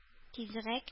Тизрәк